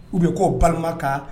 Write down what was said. U bɛ kɔ balimakan